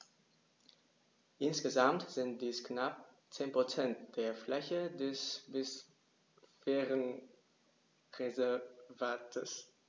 Insgesamt sind dies knapp 10 % der Fläche des Biosphärenreservates.